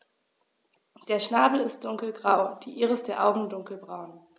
Der Schnabel ist dunkelgrau, die Iris der Augen dunkelbraun.